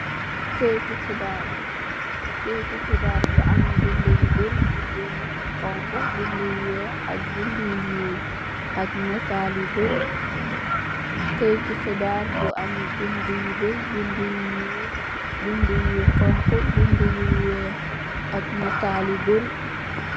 Kayiti xibarr bu am bindi yu bari, bindi yu ñuul, bindi yu xonxu, bindi yu wèèx ak nital yu barri.